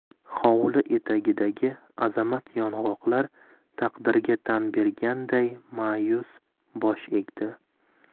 hovli etagidagi azamat yong'oqlar taqdirga tan berganday ma'yus bosh egdi